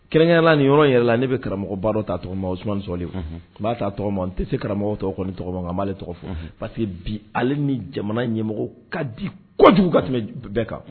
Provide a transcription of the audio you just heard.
Kɛrɛnkɛrɛnnenya la nin yɔrɔ yɛrɛ la, ne bɛ karamɔgɔba dɔ ta tɔgɔma Ousmane Solih, n b'a ta tɔgɔma n tɛ se karamɔgɔ tɔw tɔgɔ ma mais N b'ale ta tɔgɔ fɔ parce que bi ale ni jamana ɲɛmɔgɔ ka di kojugu ka tɛmɛ bɛɛ kan